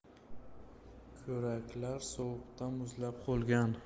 ko'raklar sovuqda muzlab qolgan